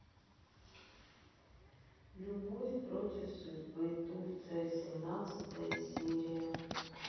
любовь против судьбы турция семнадцатая серия